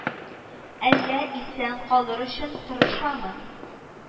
Әллә исән калыр өчен тырышамы